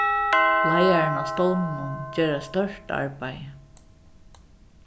leiðarin á stovninum ger eitt stórt arbeiði